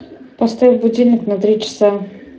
поставь будильник на три часа